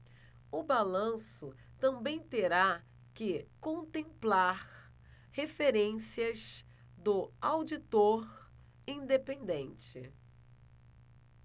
o balanço também terá que contemplar referências do auditor independente